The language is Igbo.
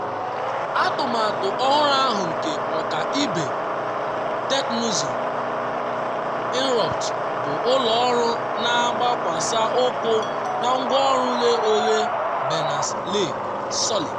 Atụmatụ ọhụrụ ahụ nke ọkaibe teknụzụ, Inrupt, bụ ụlọ ọrụ na-agbakwasa ụkwụ na ngwanro ghe oghe Berners-Lee, Solid.